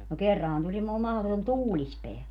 no kerranhan tuli - mahdoton tuulispää